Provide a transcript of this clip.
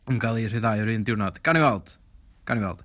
yn gael eu rhyddhau ar yr un diwrnod. Gawn ni weld. Gawn ni weld.